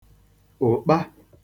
ụ̀kpa